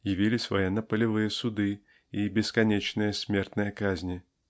Явились военно-полевые суды и бесконечные смертные казни.